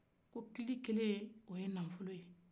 ko kili kelen o ye nafolo ye